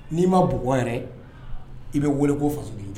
N'i ma bugɔ yɛrɛ i be wele ko fasoden jug